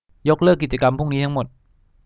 ยกเลิกกิจกรรมพรุ่งนี้ทั้งหมด